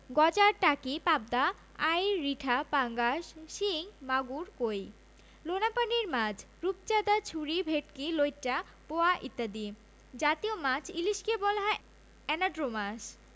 গজার টাকি পাবদা আইড় রিঠা পাঙ্গাস শিং মাগুর কৈ লোনাপানির মাছ রূপচাঁদা ছুরি ভেটকি লইট্ট পোয়া ইত্যাদি জতীয় মাছ ইলিশকে বলা হয় অ্যানাড্রোমাস মাছ